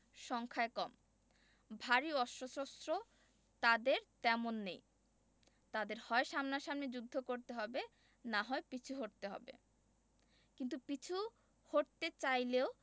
সংখ্যায় কম ভারী অস্ত্রশস্ত্র তাঁদের তেমন নেই তাঁদের হয় সামনাসামনি যুদ্ধ করতে হবে না হয় পিছু হটতে হবে কিন্তু পিছু হটতে চাইলেও